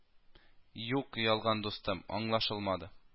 Юк, ялган дустым, аңлашылмады